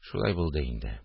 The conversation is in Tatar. – шулай булды инде